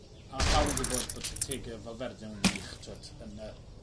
a pawb yn gwbod bo' tatege Valverde yn wych t'wod yn y